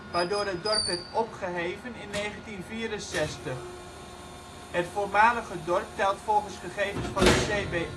dorp werd opgeheven in 1964. Het voormalige dorp telt volgens gegevens van het